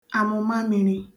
àmụ̀mamīrī